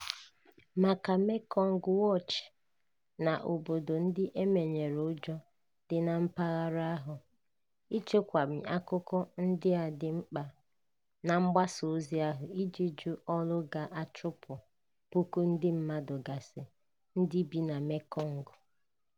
Maka Mekong Watch na obodo ndị e menyere ụjọ dị na mpaghara ahụ, ichekwami akukọ ndị a dị mkpa na mgbasa ozi ahụ iji jụ ọrụ ga-achụpụ puku ndị mmadụ gasị ndị bi na Mekong.